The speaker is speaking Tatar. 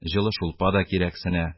Җылы шулпа да кирәксенә.